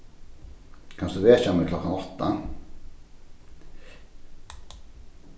kanst tú vekja meg klokkan átta